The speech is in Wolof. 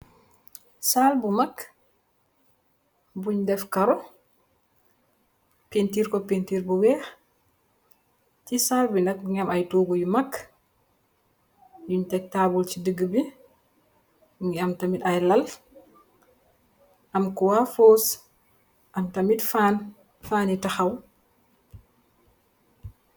saaal bu mak bunj def karo pentir ko pentir bu wexx ci saal bi nak mungi am ay yogu yu mak bunj teh taabul si tigi bi mungi am tamit ay laal ak kuwafozzbam tamit fan fani takhaw